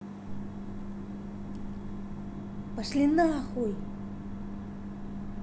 пошли нахуй